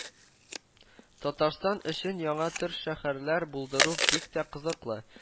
Татарстан өчен яңа төр шәһәрләр булдыру бик тә кызыклы